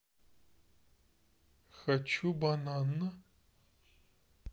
хочу банан